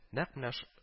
Нәкъ менә шу